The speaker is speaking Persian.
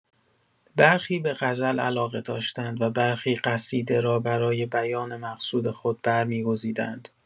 برخی به غزل علاقه داشتند و برخی قصیده را برای بیان مقصود خود برمی‌گزیدند.